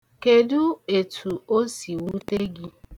Kedu etu o si wute gị?